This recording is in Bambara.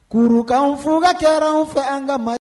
K kurukan f ka ca an fɛ an ka ma